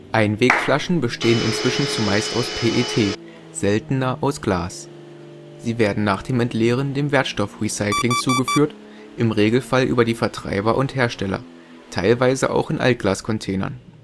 Einwegflaschen bestehen inzwischen zumeist aus PET, seltener aus Glas. Sie werden nach dem Entleeren dem Wertstoffrecycling zugeführt, im Regelfall über die Vertreiber und Hersteller, teilweise auch in Altglascontainern